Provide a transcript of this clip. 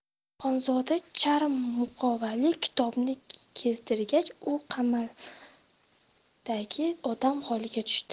xonzoda charm muqovali kitobni keltirgach u qamaldagi odam holiga tushdi